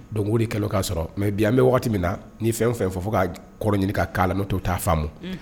Donkodikɛlaw k'a sɔrɔ mɛ bi an bɛ waati min na n'i fɛn o fɛn fo k ka kɔrɔɔrɔn ɲini k' no t'o t'a faamu ma